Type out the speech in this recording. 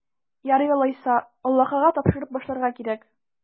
Ярый алайса, Аллаһыга тапшырып башларга кирәк.